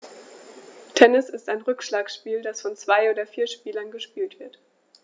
Tennis ist ein Rückschlagspiel, das von zwei oder vier Spielern gespielt wird.